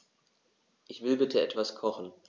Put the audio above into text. Ich will bitte etwas kochen.